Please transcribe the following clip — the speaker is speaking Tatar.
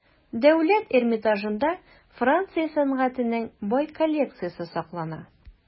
Дәүләт Эрмитажында Франция сәнгатенең бай коллекциясе саклана.